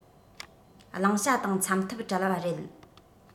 བླང བྱ དང འཚམ ཐབས བྲལ བ རེད